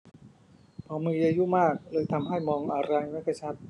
พอมีอายุมากเลยทำให้มองอะไรไม่ค่อยชัด